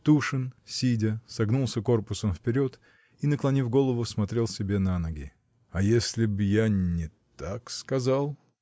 Тушин, сидя, согнулся корпусом вперед и, наклонив голову, смотрел себе на ноги. — А если б я не так сказал?.